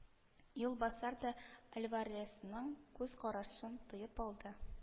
Юлбасар да альваресның күз карашын тоеп алды